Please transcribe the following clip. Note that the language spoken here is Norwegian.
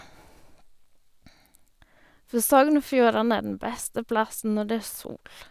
For Sogn og Fjordane er den beste plassen når det er sol.